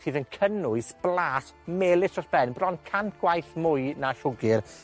sydd yn cynnwys blas melys dros ben, bron cant gwaith mwy na swgyr,